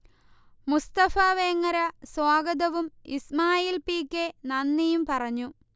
മുസ്തഫ വേങ്ങര സ്വാഗതവും Ismail P. K. നന്ദിയും പറഞ്ഞു